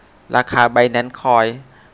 ราคาไบแนนซ์คอย